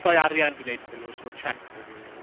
Rhoi arian fi'n wneud iddyn nhw, so cheque bob blwyddyn.